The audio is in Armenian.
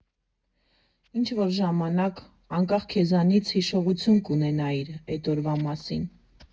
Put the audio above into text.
Ինչ֊որ ժամանակ, անկախ քեզնից հիշողություն կունենայիր էդ օրվա մասին։